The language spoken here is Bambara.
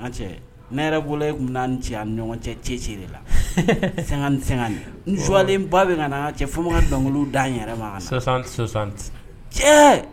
N ka cɛ ne yɛrɛ bolo e kin bɛn nin ci ani ɲɔgɔn cɛ cɛcɛ de la! 50,50 n joie len ba bɛ ka na n ka cɛ fo n bɛ dɔnkilikolonw da n yɛrɛ ma ka an , cɛɛ; 6060